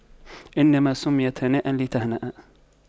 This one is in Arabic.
إنما سُمِّيتَ هانئاً لتهنأ